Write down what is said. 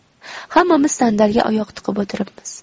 hammamiz sandalga oyoq tiqib o'tiribmiz